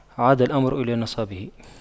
عاد الأمر إلى نصابه